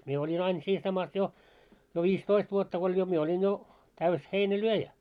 minä olin aina siinä samassa jo jo viisitoista vuotta kun oli jo minä olin jo täysi heinänlyöjä